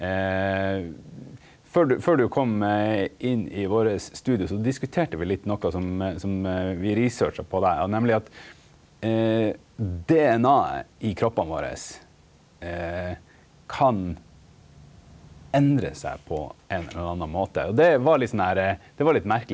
før du før du kom inn i vårt studio så diskuterte vi litt \noko som som vi researcha på deg, nemleg at DNA-et i kroppane våre kan endre seg på ein eller anna måte, og det var litt sånn derre, det var litt merkeleg.